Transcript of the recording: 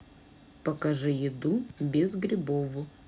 покажи еду без грибов